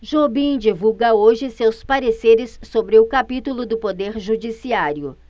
jobim divulga hoje seus pareceres sobre o capítulo do poder judiciário